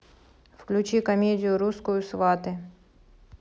включи комедию русскую сваты